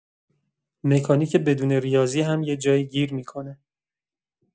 مکانیک بدون ریاضی هم یه جایی گیر می‌کنه.